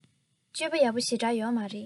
སྤྱོད པ ཡག པོ ཞེ དྲགས ཡོད མ རེད